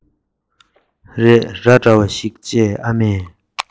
ངས ང ཚོས བཏུང བྱའི འོ མ དེ